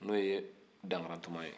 nin o ye dankaratuma